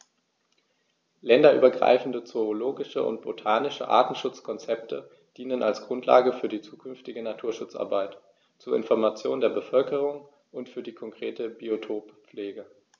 Länderübergreifende zoologische und botanische Artenschutzkonzepte dienen als Grundlage für die zukünftige Naturschutzarbeit, zur Information der Bevölkerung und für die konkrete Biotoppflege.